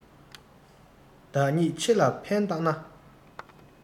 བདག ཉིད ཆེ ལ ཕན བཏགས ན